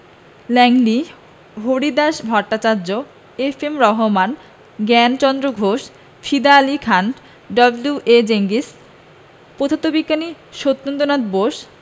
Langley Haridas Bhattacharya F M Rahman Gyanchandra Ghosh Fida Ali Khan W A Jenkins পদার্থবিজ্ঞানী সত্যেন্দ্রনাথ বোস